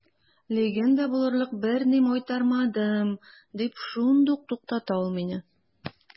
Легенда булырлык берни майтармадым, – дип шундук туктата ул мине.